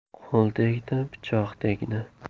qo'l tegdi pichoq tegdi